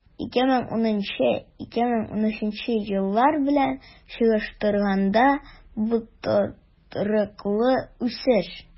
2010-2013 еллар белән чагыштырганда, бу тотрыклы үсеш.